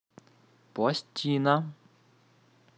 пластина